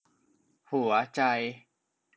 หัวใจ